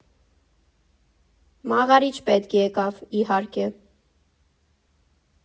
Մաղարիչ պետք եկավ, իհարկե։